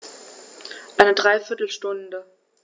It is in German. Eine dreiviertel Stunde